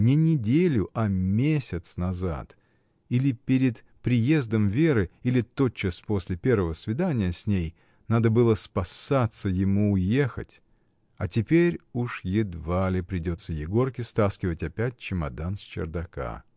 Не неделю, а месяц назад, или перед приездом Веры, или тотчас после первого свидания с ней, надо было спасаться ему, уехать, а теперь уж едва ли придется Егорке стаскивать опять чемодан с чердака!